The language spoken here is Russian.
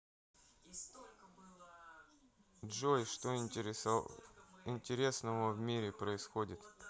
джой что интересного в мире происходит